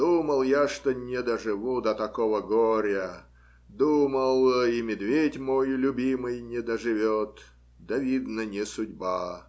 Думал я, что не доживу до такого горя, думал, и медведь мой любимый не доживет, да, видно, не судьба